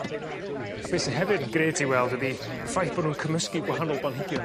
a beth sy hefyd yn grêt i weld ydi yr ffaith bo' nw'n cymysgu gwahanol blanhigion